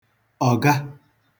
ọ̀ga